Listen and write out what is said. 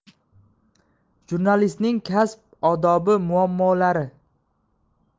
jurnalistning kasb odobi muammolari